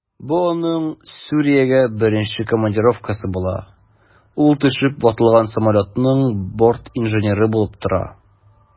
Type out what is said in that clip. Бу аның Сүриягә беренче командировкасы була, ул төшеп ватылган самолетның бортинженеры булып тора.